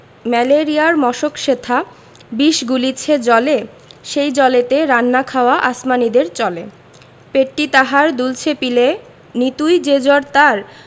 ম্যালেরিয়ার মশক সেথা বিষ গুলিছে জলে সেই জলেতে রান্না খাওয়া আসমানীদের চলে পেটটি তাহার দুলছে পিলেয় নিতুই যে জ্বর তার